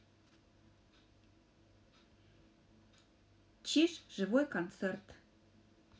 чиж живой концерт